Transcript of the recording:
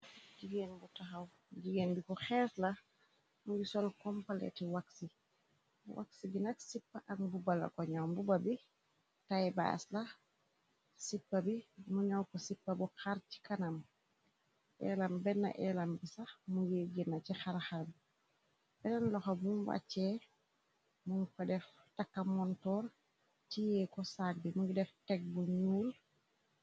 bu taxaw jigeen bi ko xees la mug sol kompaleti waksi waksi ginak sipp ak bubbala ko ñoo mbuba bi taybaas la sipa bi mu ñow ko sippa bu xar ci kanam ailam benn eilam bi sax mungi gina ci xaraxar bi benneen loxo bu mbàccee muñu ko def taka montoor tiyee ko sagg bi mu ngi def teg bu ñuul